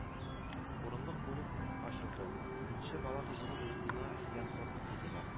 Урынлык бүлек ачылды, нче бала тудыру йортына янкорма төзелә